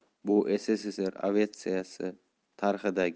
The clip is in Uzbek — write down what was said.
bu sssr aviatsiyasi tarixidagi